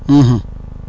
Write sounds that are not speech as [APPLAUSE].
[HESITATION] [HESITATION] [NOISE]